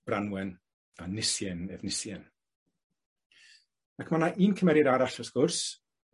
Branwen a Nisien Efnisien. Ac ma' 'na un cymerid arall wrth gwrs,